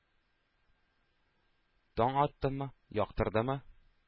Таң атамы? Яктырамы?